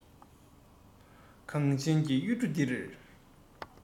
གངས ཅན གྱི ཡུལ གྲུ འདིར